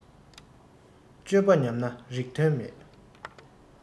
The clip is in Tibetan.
སྤྱོད པ ཉམས ན རིགས དོན མེད